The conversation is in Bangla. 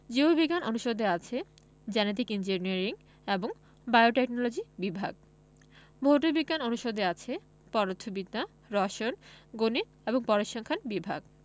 জীব বিজ্ঞান অনুষদে আছে জেনেটিক ইঞ্জিনিয়ারিং এবং বায়োটেকনলজি বিভাগ ভৌত বিজ্ঞান অনুষদে আছে পদার্থবিদ্যা রসায়ন গণিত এবং পরিসংখ্যান বিভাগ